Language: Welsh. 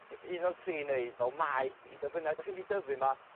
neith un o'r tri neud fel maeth i be' bynnag 'dach chi myn' i'di dyfu 'ma